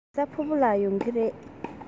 རེས གཟའ ཕུར བུ ལ ཡོང གི རེད